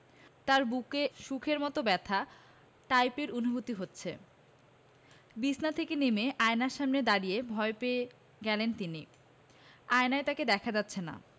তাঁর বুকে সুখের মতো ব্যথা টাইপের অনুভূতি হচ্ছে বিছানা থেকে নেমে আয়নার সামনে দাঁড়িয়ে ভয় পেয়ে গেলেন তিনি আয়নায় তাঁকে দেখা যাচ্ছে না